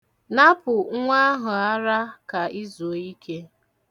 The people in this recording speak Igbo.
Napụ nwa ahụ ara ka i zuo ike.